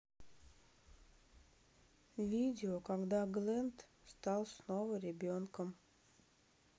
видео когда глент стал снова ребенком